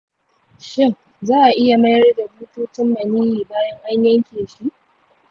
shin za a iya mayar da bututun maniyyi bayan an yanke shi ?